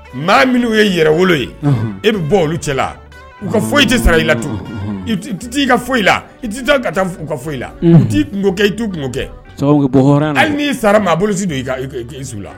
Maa minnu ye yɛrɛ wolo ye e bɛ bɔ olu cɛla la u ka foyi i tɛ sara i la tu tɛ t'i ka foyi i la i tɛ ka taa u ka foyi la u t' kun kɛ i t'u kun kɛ n'i sara maa bolosi donsu la